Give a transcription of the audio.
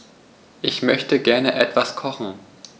Ich möchte gerne etwas kochen.